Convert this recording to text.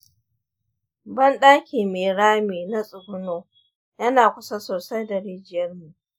banɗaki mai rami na tsuguno yana kusa sosai da rijiyarmu.